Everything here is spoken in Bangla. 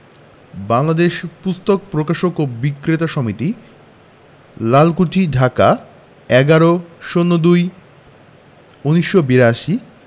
বাংলাদেশ পুস্তক প্রকাশক ও বিক্রেতা সমিতি লালকুঠি ঢাকা ১১/০২/১৯৮২